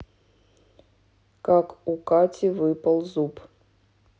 как у кати выпал зуб